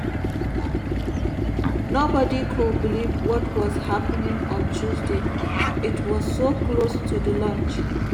Nobody could believe what was happening on Tuesday, it was so close to the launch.